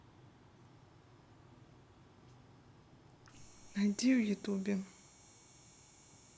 найди в ютубе